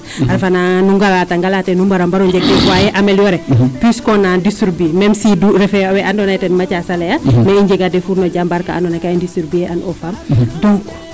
A refa nu ngalata ngalate kan mbar o mbar o njeg ma i mbarna améliorer puisse qu' on a distribuer meme si du refee we andoona yee ten Mathiase a layaa i njega des fourneaux diambar ka andona yee `kaa i distribuer an au femme donc.